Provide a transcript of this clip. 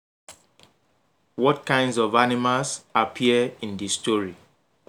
What kinds of animals appear in the story?,